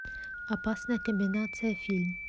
опасная комбинация фильм